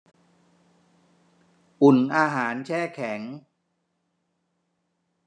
อุ่นอาหารแช่แข็ง